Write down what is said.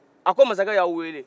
a ko masacɛ y'aw weele